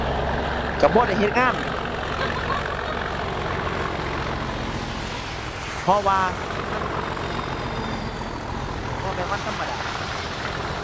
ก็บ่ได้เฮ็ดงาน เพราะว่าเป็นวันหยุด บ่แม่นวันธรรมดา